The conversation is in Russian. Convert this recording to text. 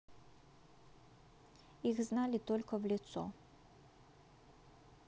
их знали только в лицо